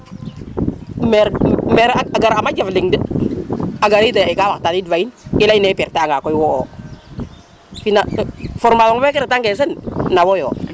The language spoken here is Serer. maire a gar ama jaf leng de a garide ka waxtan id fa in i ley ne i pertre anga koy wo o formation feke reta nge sen na wo yo